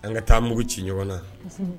An ka taa mugu ci ɲɔgɔn na